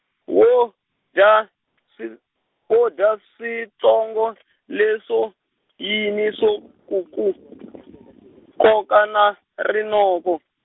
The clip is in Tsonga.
wo, dya , swi, wo dya switshongo , leswo, yini swa ku ku, koka na rinoko?